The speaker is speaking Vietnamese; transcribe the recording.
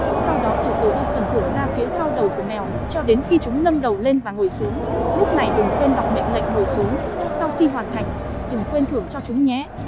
sau đó từ từ đưa phần thưởng ra phía sau đầu của mèo cho đến khi chúng nâng đầu lên và ngồi xuống lúc này đừng quên đọc mệnh lệnh ngồi xuống sau khi hoàn thành đừng quên thưởng cho chúng nhé